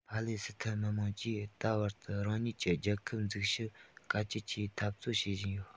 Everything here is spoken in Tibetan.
ཕ ལེ སི ཐན མི དམངས ཀྱིས ད བར དུ རང ཉིད ཀྱི རྒྱལ ཁབ འཛུགས ཕྱིར དཀའ སྤྱད ཀྱིས འཐབ རྩོད བྱེད བཞིན ཡོད